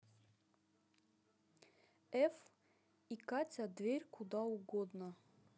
эф и катя дверь куда угодно